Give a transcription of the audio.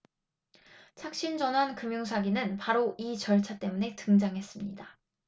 착신전환 금융사기는 바로 이 절차 때문에 등장했습니다